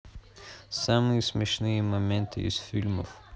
самые смешные моменты из фильмов